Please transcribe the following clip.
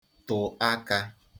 tụ̀ akā